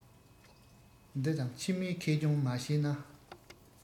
འདི དང ཕྱི མའི ཁེ གྱོང མ ཤེས ན